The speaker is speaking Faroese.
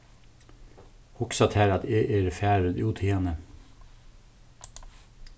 hugsa tær at eg eri farin út hiðani